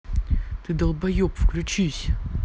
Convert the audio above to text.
ты долбоеб выключись